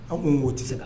An wo tɛ la